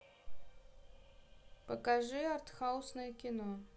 покажи артхаусное кино